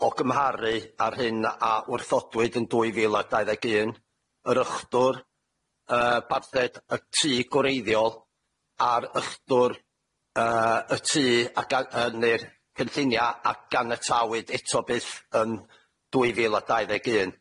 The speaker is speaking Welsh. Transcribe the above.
o gymharu â'r hyn a wrthodwyd yn dwy fil a dau ddeg un, yr ychdwr yy parthed y tŷ gwreiddiol, a'r ychdwr yy y tŷ a ga- yy ne'r cynllunia' ac ganiatawyd eto byth yn dwy fil a dau ddeg un.